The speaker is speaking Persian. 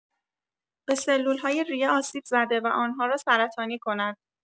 به سلول‌های ریه آسیب‌زده و آن‌ها را سرطانی کند.